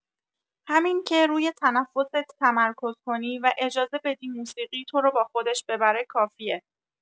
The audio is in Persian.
همین که روی تنفست تمرکز کنی و اجازه بدی موسیقی تو رو با خودش ببره کافیه.